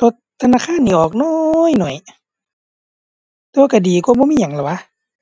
ทด ธนาคารนี่ออกน้อยน้อย แต่ว่าตัวดีกว่าบ่มีหยังล่ะว้า